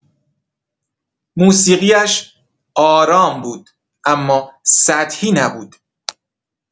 موسیقی‌اش آرام بود، اما سطحی نبود؛